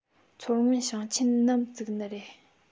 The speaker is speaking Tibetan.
མཚོ སྔོན ཞིང ཆེན ནམ བཙུགས ནི རེད